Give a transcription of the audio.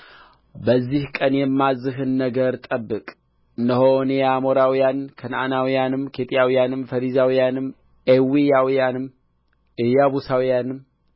በዚህ ቀን የማዝዝህን ነገር ጠብቅ እነሆ እኔ አሞራዊውን ከነዓናዊውንም ኬጢያዊውንም ፌርዛዊውንም ኤዊያዊውንም ኢያቡሳዊውንም